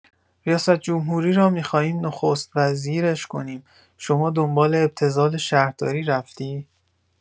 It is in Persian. ریاست‌جمهوری را می‌خواهیم نخست وزیرش کنیم، شما دنبال ابتذال شهرداری رفتی؟